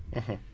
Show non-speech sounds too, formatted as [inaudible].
[hesitation] [hesitation]